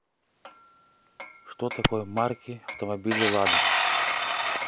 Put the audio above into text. что такое марки автомобиля lada